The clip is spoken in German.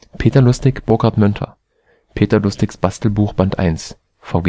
Peter Lustig, Burckhard Mönter: Peter Lustigs Bastelbuch. Band 1, vgs